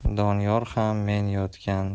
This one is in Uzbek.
doniyor ham men yotgan